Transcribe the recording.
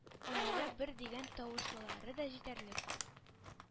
Арада бер дигән тавышлылары да җитәрлек.